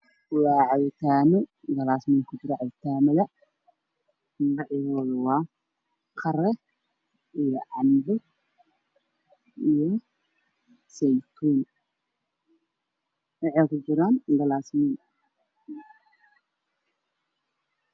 Waa cabitaanno ku jiraan galaasnin midabkooda yihiin gaallo guduud miis ay saaranyihiin